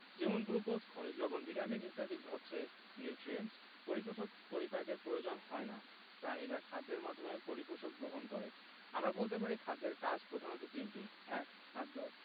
যেমন গ্লুকোজ খনিজ লবন ভিটামিন ইত্যাদি হচ্ছে নিউট্রিয়েন্টস পরিপোষকের পরিপাকের প্রয়োজন হয় না প্রাণীরা খাদ্যের মাধ্যমে পরিপোষক গ্রহণ করে আমরা বলতে পারি খাদ্যের কাজ প্রধানত তিনটি ১. খাদ্য